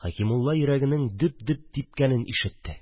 Хәкимулла йөрәгенең дөп-дөп типкәнен ишетте